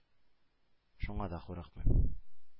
Шуңа да курыкмыйм.